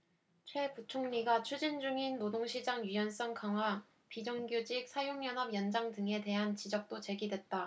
최 부총리가 추진 중인 노동시장 유연성 강화 비정규직 사용연한 연장 등에 대한 지적도 제기됐다